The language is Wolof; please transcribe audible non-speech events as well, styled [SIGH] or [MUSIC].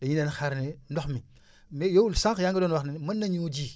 dañu daan xaaraale ndox mi [INHALES] mais yow sànq yaa ngi doon wax ne mën nañu ji